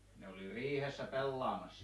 ne oli riihessä pelaamassa